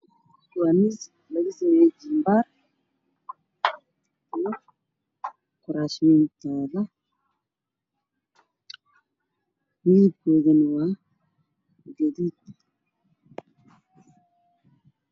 Waa miis lagu gog lay go mideb kiisu yahay madow